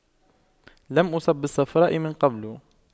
لم أصب بالصفراء من قبل